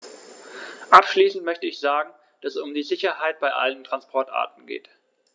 Abschließend möchte ich sagen, dass es um die Sicherheit bei allen Transportarten geht.